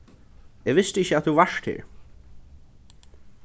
eg visti ikki at tú vart her